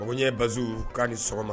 Mɔgɔ n ɲɛ basi k'a ni sɔgɔma